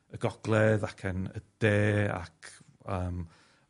y Gogledd, acen y De, ac yym